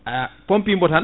a pompi mo tan